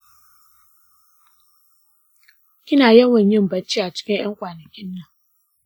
kina yawwan yin barci acikin 'yan kwanakin nan?